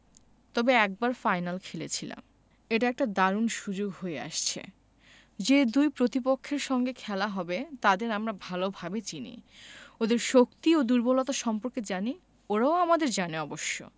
তবে একবার ফাইনাল খেলেছিলাম এটা একটা দারুণ সুযোগ হয়ে আসছে যে দুই প্রতিপক্ষের সঙ্গে খেলা হবে তাদের আমরা ভালোভাবে চিনি ওদের শক্তি ও দুর্বলতা সম্পর্কে জানি ওরাও আমাদের জানে অবশ্য